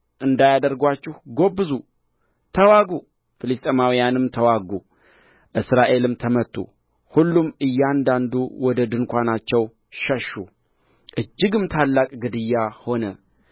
እንዳደረጋችኋቸው ዕብራውያን ባሪያዎች እንዳያደርጉአችሁ ጎብዙ ተዋጉ ፍልስጥኤማውያንም ተዋጉ እስራኤልም ተመቱ ሁሉም እያንዳንዱ ወደ ድንኳናቸው ሸሹ እጅግም ታላቅ ግድያ ሆነ